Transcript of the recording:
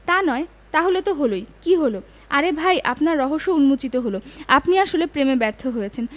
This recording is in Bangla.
তা নয় তাহলে তো হলোই কী হলো আরে ভাই আপনার রহস্য উম্মোচিত হলো আপনি আসলে প্রেমে ব্যর্থ হয়েছেন